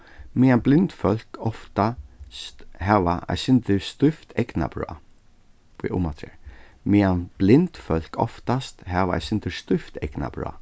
meðan blind fólk oftast hava eitt sindur stívt eygnabrá bíða umaftur har meðan blind fólk oftast hava eitt sindur stívt eygnabrá